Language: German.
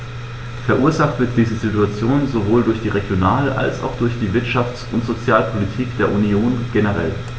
Verursacht wird diese Situation sowohl durch die Regional- als auch durch die Wirtschafts- und Sozialpolitik der Union generell.